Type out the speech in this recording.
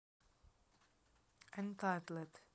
untitled